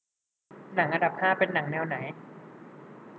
หนังอันดับห้าเป็นหนังแนวไหน